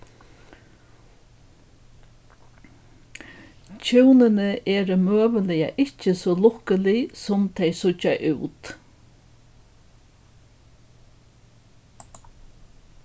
hjúnini eru møguliga ikki so lukkulig sum tey síggja út